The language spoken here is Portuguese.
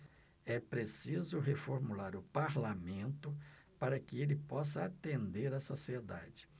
é preciso reformular o parlamento para que ele possa atender a sociedade